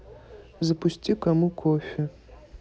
запусти кому кофе